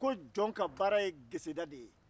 ko jɔn ka baara ye geseda de ye